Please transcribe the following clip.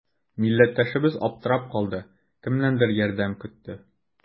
Милләттәшебез аптырап калды, кемнәндер ярдәм көтте.